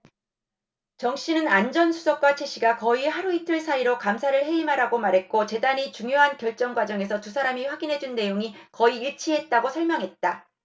정씨는 안 전 수석과 최씨가 거의 하루이틀 사이로 감사를 해임하라고 말했고 재단의 중요한 결정 과정에서 두 사람이 확인해준 내용이 거의 일치했다고 설명했다